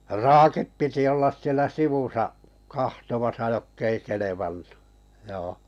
raakit piti olla siellä sivussa katsomassa jotka ei kelvannut joo